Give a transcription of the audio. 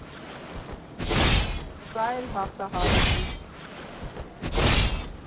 Սա էլ հաղթահարեցիր։